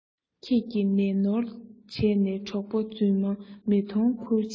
ཁྱེད ཀྱི ལས ནོར བྱས ནས གྲོགས པོ རྫུན མས མི མཐོང ཁུལ བྱེད